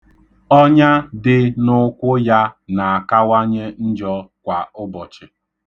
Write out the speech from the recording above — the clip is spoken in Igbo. Ọnya dị n'ụkwụ ya na-akawanye njọ kwa ụbọchị